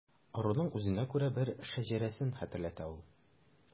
Ыруның үзенә күрә бер шәҗәрәсен хәтерләтә ул.